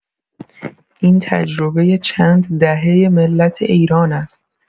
این تجربۀ چند دهۀ ملت ایران است.